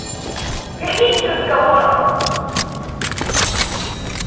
вернись к разговору